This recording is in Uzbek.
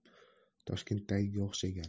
toshkentdagiga o'xshagan